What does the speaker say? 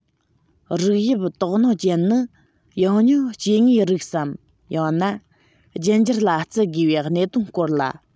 རིགས དབྱིབས དོགས སྣང ཅན ནི ཡང སྙིང སྐྱེ དངོས རིགས སམ ཡང ན རྒྱུད འགྱུར ལ བརྩི དགོས པའི གནད དོན སྐོར ལ